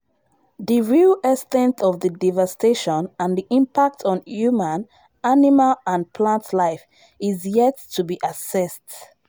The real extent of the devastation and the impact on human, animal and plant life is yet to be assessed.